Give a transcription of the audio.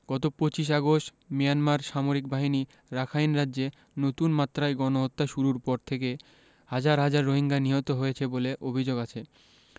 গত ২৫ August Myanmar সামরিক বাহিনী রাখাইন রাজ্যে নতুন মাত্রায় গণহত্যা শুরুর পর থেকে হাজার হাজার রোহিঙ্গা নিহত হয়েছে বলে অভিযোগ আছে